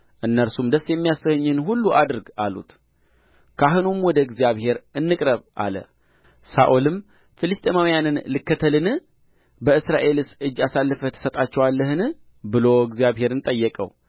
እነርሱም ደስ የሚያሰኝህን ሁሉ አድርግ አሉት ካህኑም ወደ እግዚአብሔር እንቅረብ አለ ሳኦልም ፍልስጥኤማውያንን ልከተልን በእስራኤልስ እጅ አሳልፈህ ትሰጣቸዋለህን ብሎ እግዚአብሔርን ጠየቀው